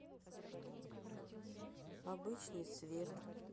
обычный свет